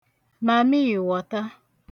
mamịịwọta